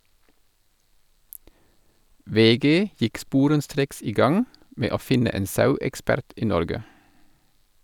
VG gikk sporenstreks i gang med å finne en sauekspert i Norge.